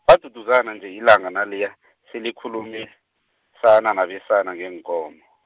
baduduzana nje ilanga naliya, selikhulumisana, nabesana ngeenkomo.